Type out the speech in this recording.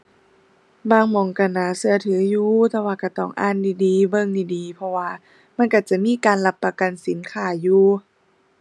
บางหม้องก็น่าก็ถืออยู่ แต่ว่าก็ต้องอ่านดีดี เบิ่งดีดี เพราะว่ามันก็จะมีการรับประกันสินค้าอยู่